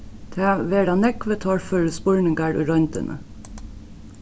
tað verða nógvir torførir spurningar í royndini